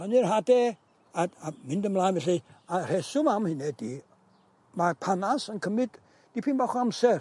Plannu'r hade a a mynd ymlaen felly a rheswm am hyn ydi ma'r panas yn cymyd dipyn bach o amser.